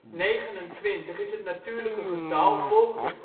negenentwintig) is het natuurlijke getal volgend op